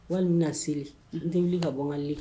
Walima na seli n denfi ka bɔgali